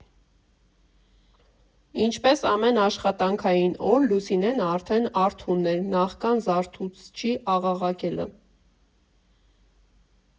Ինչպես ամեն աշխատանքային օր, Լուսինեն արդեն արթուն էր՝ նախքան զարթուցչի աղաղակելը։